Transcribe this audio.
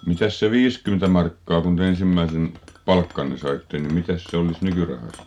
mitäs se viisikymmentä markkaa kun te ensimmäisen palkkanne saitte niin mitäs se olisi nykyrahassa